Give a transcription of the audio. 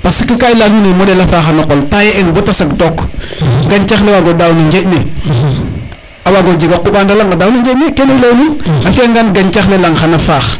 parce que ka i leya nuun ne moɗel a faxa no qol tailler en bata sag took gantac le wago daaw no njeeƴ ne a wago jeg a quɓana laŋ a daaw no njeƴ ne kene i leyu nuun a fiya ngan gancax le laŋ xana faax